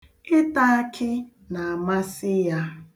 Ịta akị na-amasị ya.